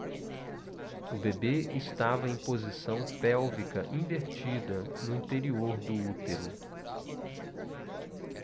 o bebê estava em posição pélvica invertida no interior do útero